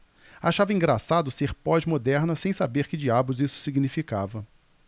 achava engraçado ser pós-moderna sem saber que diabos isso significava